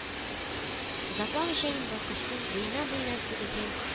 Озакламыйча мин баскычның буеннан-буена сибелгән